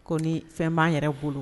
Ko ni fɛn' yɛrɛ bolo